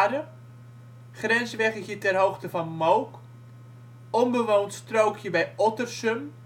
125 ha); Grensweggetje ter hoogte van Mook; Onbewoond strookje bij Ottersum